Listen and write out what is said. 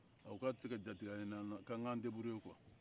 a ko k'a tɛ se ka jatigila ɲinin an na ko an ka debrouiller quoi